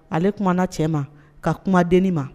Ale tuma na cɛ ma ka kumaden ma